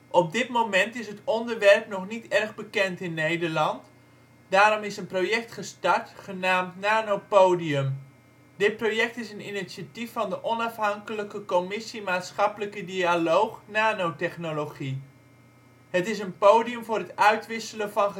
Op dit moment is het onderwerp nog niet erg bekend in Nederland. Daarom is een project gestart genaamd Nanopodium. Dit project is een initiatief van de onafhankelijke Commissie Maatschappelijke Dialoog Nanotechnologie. Het is een podium voor het uitwisselen van